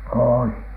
oli